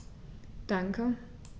Danke.